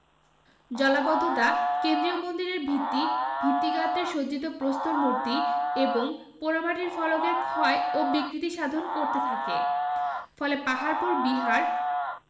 জলাবদ্ধতা কেন্দ্রীয় মন্দিরের ভিত্তি ভিত্তিগাত্রে সজ্জিত প্রস্তর মূর্তি এবং পোড়ামাটির ফলকের ক্ষয় ও বিকৃতি সাধন করতে থাকে ফলে পাহারপুর বিহার